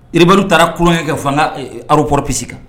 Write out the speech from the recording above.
Ibriw taara kolon kɛ fan rop psi kan